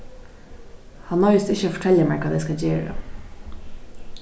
hann noyðist ikki at fortelja mær hvat eg skal gera